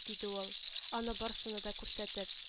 — диде ул, аны барсына да күрсәтеп